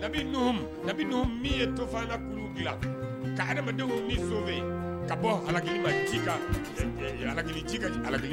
Bi ye tofa ka dilan ka adamadenw ni so ka bɔ alaki ma ci alaki ci ka alaki